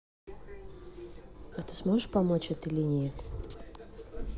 а ты сможешь помочь этой линии